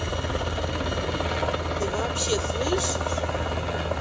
ты вообще слышишь